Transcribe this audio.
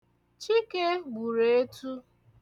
Chike gburu etu.